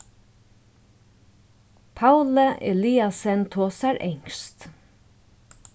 pauli eliasen tosar enskt